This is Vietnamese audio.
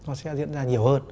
nó sẽ diễn ra nhiều hơn